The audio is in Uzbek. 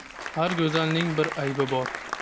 har go'zalning bir aybi bor